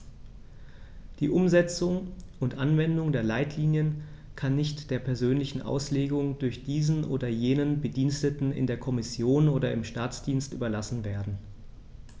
Die Umsetzung und Anwendung der Leitlinien kann nicht der persönlichen Auslegung durch diesen oder jenen Bediensteten in der Kommission oder im Staatsdienst überlassen werden.